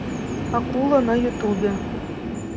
акула на ютубе